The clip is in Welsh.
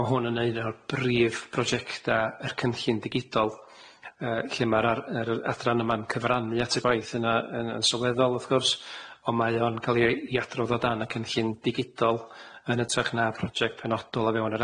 Ma' hwn yn un o'r brif brojecta yr cynllun digidol yy lle ma'r ar- yr yy adran yma'n cyfrannu at y gwaith yna yn yn sylweddol wrth gwrs on' mae o'n ca'l i i adrodd o dan y cynllun digidol yn ytrach na project penodol o fewn yr